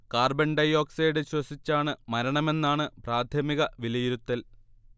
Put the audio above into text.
carbon dioxide ശ്വസിച്ചാണ് മരണമെന്നാണ് പ്രാഥമിക വിലയിരുത്തൽ